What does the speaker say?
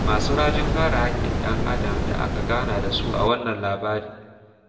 Masu rajin kare haƙƙin ɗan adam da aka gana da su a wannan labari